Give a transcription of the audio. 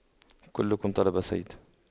كلكم طلب صيد